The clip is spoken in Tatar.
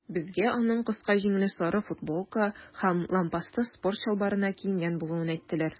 Безгә аның кыска җиңле сары футболка һәм лампаслы спорт чалбарына киенгән булуын әйттеләр.